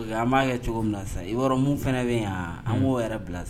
An b'a kɛ cogo min na sa i yɔrɔ minnu fana bɛ yen yan an b'o yɛrɛ bila sa